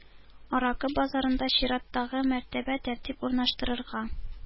Аракы базарында чираттагы мәртәбә тәртип урнаштырырга